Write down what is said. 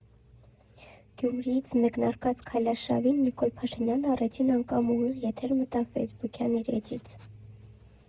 Գյումրիից մեկնարկած քայլարշավին Նիկոլ Փաշինյանը առաջին անգամ ուղիղ եթեր մտավ ֆեյսբուքյան իր էջից։